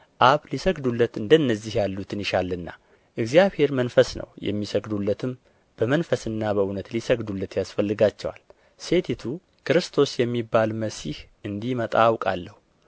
አብ ሊሰግዱለት እንደ እነዚህ ያሉትን ይሻልና እግዚአብሔር መንፈስ ነው የሚሰግዱለትም በመንፈስና በእውነት ሊሰግዱለት ያስፈልጋቸዋል ሴቲቱ ክርስቶስ የሚባል መሲሕ እንዲመጣ አውቃለሁ